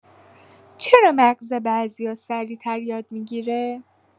چرا مغز بعضیا سریع‌تر یاد می‌گیره؟